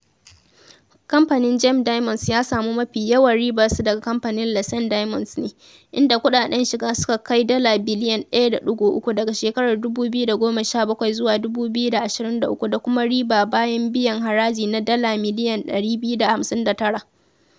Kamfanin GEM Diamonds ya samu mafi yawan ribarsa daga kamfanin Letšeng Diamonds ne, inda kuɗaɗen shiga suka kai dala biliyan 1.3 daga shekarar 2017 zuwa 2023 da kuma riba bayan biyan haraji na dala miliyan 259.